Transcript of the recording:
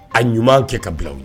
A ɲuman kɛ ka bila ye